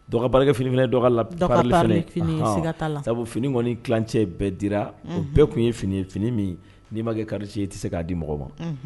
Dɔgɔbakɛ finiinifini laf sabu fini kɔniɔni ticɛ bɛɛ dira o bɛɛ tun ye fini fini min n'i ma kɛ kari ci i tɛ se k'a di mɔgɔ ma